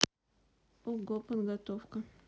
ого подготовка